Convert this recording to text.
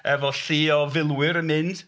Efo llu o filwyr yn mynd.